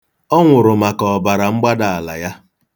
Ọ nwụrụ maka ọbaramgbaala ya.